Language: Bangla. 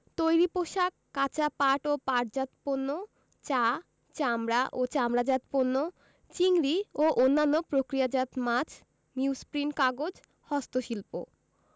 তৈরি পোশাক কাঁচা পাট ও পাটজাত পণ্য চা চামড়া ও চামড়াজাত পণ্য চিংড়ি ও অন্যান্য প্রক্রিয়াজাত মাছ নিউজপ্রিন্ট কাগজ হস্তশিল্প